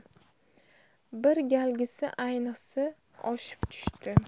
bir galgisi ayniqsa oshib tushdi